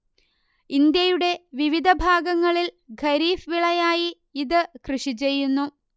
ഇന്ത്യയുടെ വിവിധ ഭാഗങ്ങളിൽ ഖരീഫ് വിളയായി ഇത് കൃഷിചെയ്യുന്നു